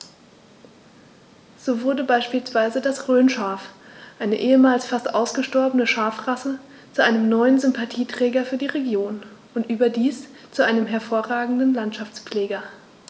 So wurde beispielsweise das Rhönschaf, eine ehemals fast ausgestorbene Schafrasse, zu einem neuen Sympathieträger für die Region – und überdies zu einem hervorragenden Landschaftspfleger.